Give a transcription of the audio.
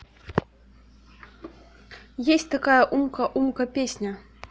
есть такая умка умка песня